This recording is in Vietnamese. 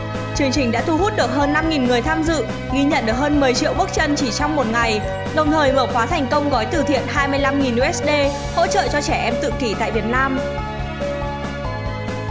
chương trình đã thu hút được hơn người tham dự ghi nhận được hơn triệu bước chân chỉ trong một ngày đồng thời mở khoá thành công gói từ thiện usd hỗ trợ cho trẻ em tự kỷ tại việt nam